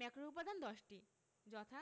ম্যাক্রোউপাদান ১০ টি যথা